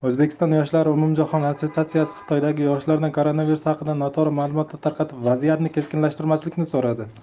o'zbekiston yoshlari umumjahon assotsiatsiyasi xitoydagi yoshlardan koronavirus haqida noto'g'ri ma'lumotlar tarqatib vaziyatni keskinlashtirmaslikni so'radi